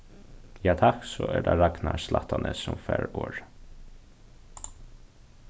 ja takk so er tað ragnar slættanes sum fær orðið